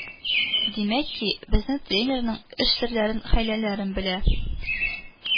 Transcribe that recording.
Димәк ки, безнең тренерның эш серләрен, хәйләләрен белә